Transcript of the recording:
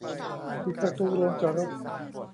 ปิดประตูโรงจอดรถ